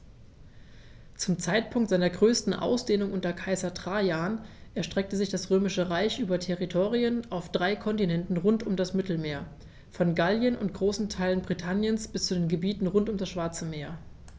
Zum Zeitpunkt seiner größten Ausdehnung unter Kaiser Trajan erstreckte sich das Römische Reich über Territorien auf drei Kontinenten rund um das Mittelmeer: Von Gallien und großen Teilen Britanniens bis zu den Gebieten rund um das Schwarze Meer.